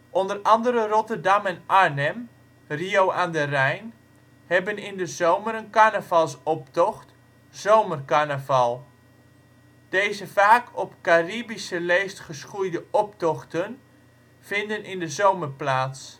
Onder andere Rotterdam en Arnhem (Rio aan de Rijn) hebben in de zomer een carnavalsoptocht, Zomercarnaval. Deze vaak op Caraïbische leest geschoeide optochten vinden in de zomer plaats